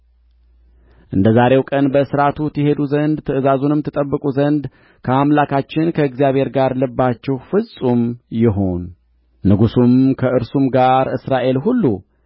እንደ ዛሬው ቀን በሥርዓቱ ትሄዱ ዘንድ ትእዛዙንም ትጠብቁ ዘንድ ከአምላካችን ከእግዚአብሔር ጋር ልባችሁ ፍጹም ይሁን ንጉሡም ከእርሱም ጋር እስራኤል ሁሉ